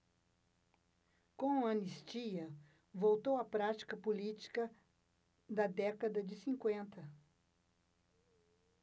com a anistia voltou a prática política da década de cinquenta